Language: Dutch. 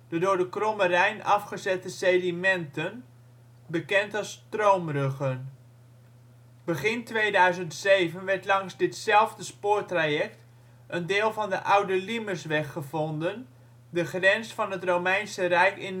de door de Kromme Rijn afgezette sedimenten, bekend als stroomruggen. Begin 2007 werd langs ditzelfde spoortraject een deel van de oude Limesweg gevonden (de grens van het Romeinse Rijk in